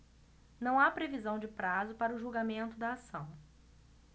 não há previsão de prazo para o julgamento da ação